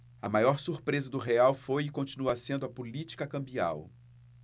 a maior surpresa do real foi e continua sendo a política cambial